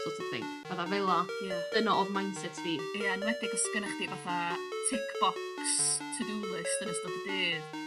So't of thing. Odd o fela... Ia. ...dyna odd mindset fi. Ia enwedig os gynna chdi fatha tick box to do list yn ystod y dydd...